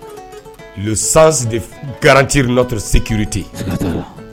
Le sens de garantir notre sécurité sika t'a la